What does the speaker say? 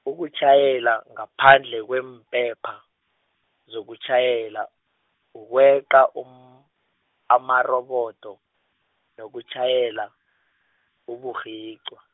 ukutjhayela ngaphandle kweempepha, zokutjhayela, ukweqa um- amarobodo, nokutjhayela, uburhiqwa.